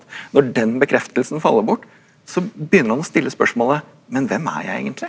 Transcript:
når den bekreftelsen faller bort, så begynner han å stille spørsmålet men hvem er jeg egentlig?